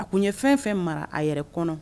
A ko ye fɛn fɛn mara a yɛrɛ kɔnɔ